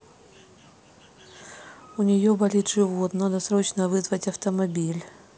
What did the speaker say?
у нее болит живот надо срочно вызвать автомобиль